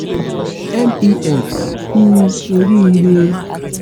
MEX kú oríire!